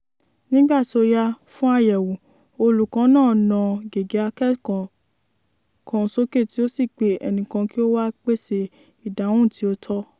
Nígbà tó yá, fún àyẹ̀wò, olùkọ́ náà na gègé akẹ́kọ̀ọ́ kan sókè tí ó sì pe ẹnìkan kí ó wá pèsè ìdáhùn tí ó tọ́.